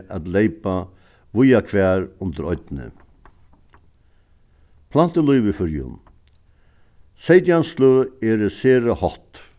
at leypa víða hvar undir oynni plantulív í føroyum seytjan sløg eru sera hótt